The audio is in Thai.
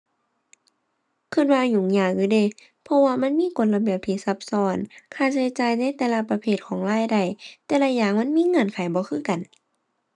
คิดว่ายุ่งยากอยู่เดะ เพราะว่ามันมีกฎระเบียบที่ซับซ้อน ค่าใช้จ่ายในแต่ละประเภทของรายได้ แต่ละอย่างมันมีเงื่อนไขบ่คือกัน